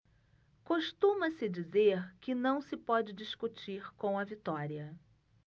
costuma-se dizer que não se pode discutir com a vitória